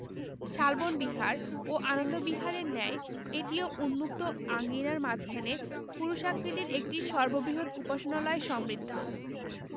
শালবন বিহার ও আনন্দ বিহারের ন্যায় এটিও উন্মুক্ত আঙিনার মাঝখানে ক্রুশাকৃতির একটি সুবৃহৎ উপাসনালয় সমৃদ্ধ